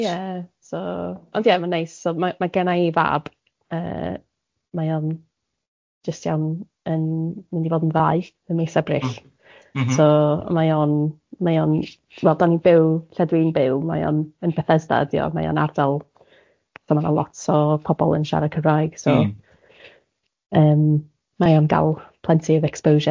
Ie so ond ie mae'n neis so ma' ma' genna i i fab, yy mae o'n jyst iawn yn mynd i fod yn ddau yn mis Ebrill... M-hm. ...so mae o'n mae o'n wel dan ni'n byw lle dwi'n byw mae o'n yn Bethesda ydi o mae o'n ardal, so mae yna lot o pobl yn siarad Cymraeg so... Mm. ...yym mae o am gal plenty of exposure.